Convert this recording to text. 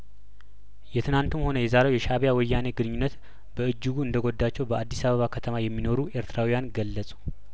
የትናንቱም ሆነ የዛሬው የሻእቢያ ወያኔ ግንኙነት በእጅጉ እንደጐዳቸው በአዲስ አበባ ከተማ የሚኖሩ ኤርትራዊያን ገለጹ